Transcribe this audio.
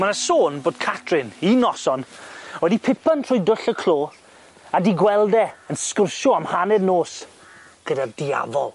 Ma' 'na sôn bod Catrin, un noson wedi pipan trwy dwll y clo a 'di gweld e yn sgwrsio am hanner nos gyda'r diafol.